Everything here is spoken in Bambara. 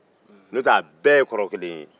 n'o te a bɛɛ ye kɔrɔ kelen ye